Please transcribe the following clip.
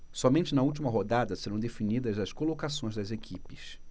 somente na última rodada serão definidas as colocações das equipes